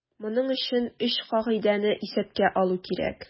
Моның өчен өч кагыйдәне исәпкә алу кирәк.